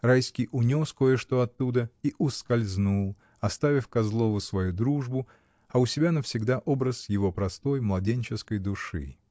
Райский унес кое-что оттуда и ускользнул, оставив Козлову свою дружбу, а у себя навсегда образ его простой, младенческой души.